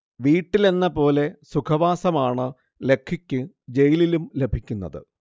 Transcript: വീട്ടിലെന്ന പോലെ സുഖവാസമാണ് ലഖ്വിക്ക് ജയിലിലും ലഭിക്കുന്നത്